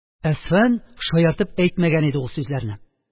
Әсфан шаяртып әйтмәгән иде ул сүзләрне.